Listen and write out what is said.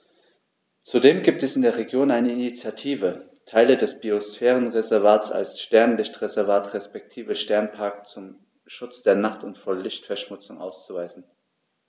Zudem gibt es in der Region eine Initiative, Teile des Biosphärenreservats als Sternenlicht-Reservat respektive Sternenpark zum Schutz der Nacht und vor Lichtverschmutzung auszuweisen.